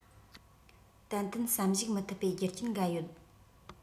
ཏན ཏན བསམ གཞིགས མི ཐུབ པའི རྒྱུ རྐྱེན འགའ ཡོད